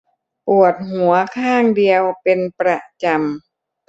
ปวดหัวข้างเดียวเป็นประจำ